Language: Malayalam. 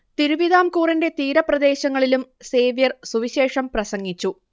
തിരുവിതാംകൂറിന്റെ തീരപ്രദേശങ്ങളിലും സേവ്യർ സുവിശേഷം പ്രസംഗിച്ചു